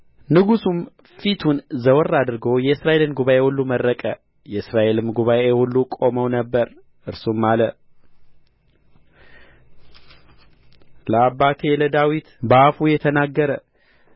ንጉሡም ፊቱን ዘወር አድርጎ የእስራኤልን ጉባኤ ሁሉ መረቀ የእስራኤልም ጉባኤ ሁሉ ቆመው ነበር እርሱም አለ ለአባቴ ለዳዊት በአፉ የተናገረ